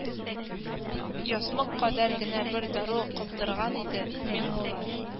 Ясмык кадәр генә бер дару каптырган иде, миңнулла